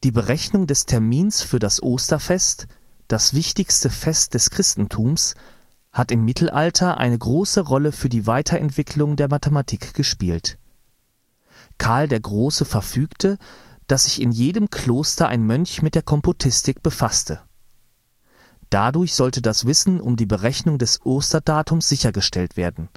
Berechnung des Termins für das Osterfest, das wichtigste Fest des Christentums, hat im Mittelalter eine große Rolle für die Weiterentwicklung der Mathematik gespielt. Karl der Große verfügte, dass sich in jedem Kloster ein Mönch mit der Komputistik befasste. Dadurch sollte das Wissen um die Berechnung des Osterdatums sichergestellt werden